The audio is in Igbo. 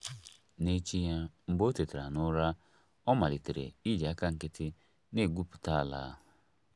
N'echi ya, mgbe o tetara n'ụra, ọ malitere iji aka nkịtị na-egwupụta ala.